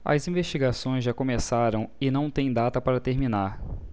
as investigações já começaram e não têm data para terminar